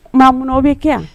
Ma munna, o bɛ kɛ wa?